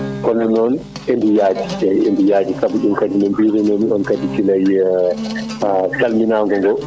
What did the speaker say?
kono noon endu yaaji eyyi endu yaaji kadi ɗum kadi no birunimi on kadi guilayi salminago go